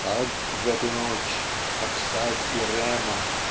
Сад в эту ночь - как сад Ирема